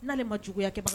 N'ale ma juguya kɛ ban